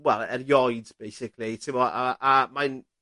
wel erioed basically t'mo' a a mae'n